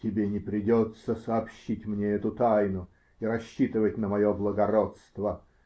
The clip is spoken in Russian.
-- Тебе не придется сообщить мне эту тайну и рассчитывать на мое благородство!